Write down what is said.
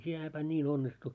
sinä päivänä niin onnistui